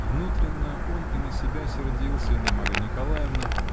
Внутренно он и на себя сердился и на Марью Николаевну